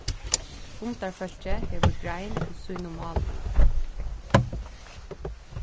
fundarfólkið hevur grein í sínum máli